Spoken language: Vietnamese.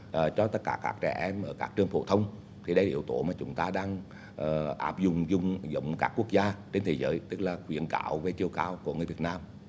ờ cho tất cả các trẻ em ở các trường phổ thông thì đây yếu tố mà chúng ta đang ờ áp dụng chung giống các quốc gia trên thế giới tức là khuyến cáo về chiều cao của người việt nam